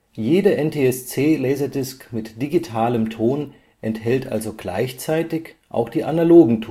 Jede NTSC-LaserDisc mit digitalem Ton enthält also gleichzeitig auch die analogen